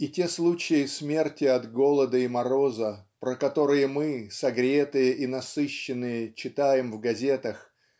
И те случаи смерти от голода и мороза про которые мы согретые и насыщенные читаем в газетах